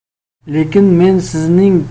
lekin men sizning